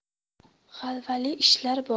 g'alvali ishlar bor